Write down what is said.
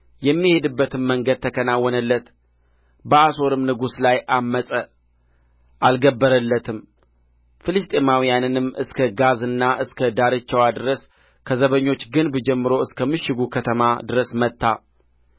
የሚሄድበትም መንገድ ተከናወነለት በአሦርም ንጉሥ ላይ ዐመፀ አልገበረለትም ፍልስጥኤማውያንንም እስከ ጋዛና እስከ ዳርቻዋ ድረስ ከዘበኞች ግንብ ጀምሮ እስከ ምሽጉ ከተማ ድረስ መታ